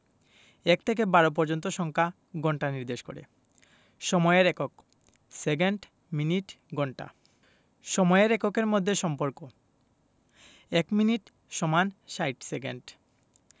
১ থেকে ১২ পর্যন্ত সংখ্যা ঘন্টা নির্দেশ করে সময়ের এককঃ সেকেন্ড মিনিট ঘন্টা সময়ের এককের মধ্যে সম্পর্কঃ ১ মিনিট = ৬০ সেকেন্ড